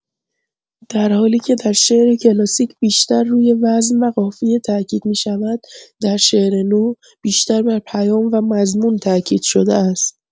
در حالی‌که در شعر کلاسیک بیشتر بر روی وزن و قافیه تاکید می‌شود، در شعر نو، بیشتر بر پیام و مضمون تاکید شده است.